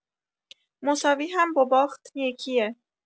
مساوی هم با باخت یکیه